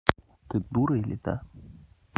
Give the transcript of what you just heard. ты дура или да